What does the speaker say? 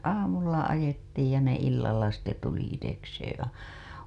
aamulla ajettiin ja ne illalla sitten tuli itsekseen -